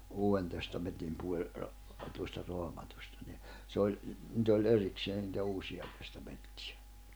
Uuden Testamentin puoli tuosta Raamatusta niin se oli niitä oli erikseen niitä Uusia Testamentteja